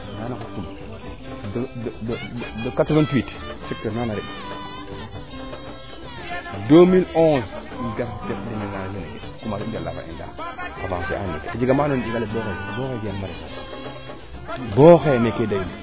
de 88 2011 i mbadu njala fo ENA a jega ma ando naye a ɗinga le bo xaye meek deyu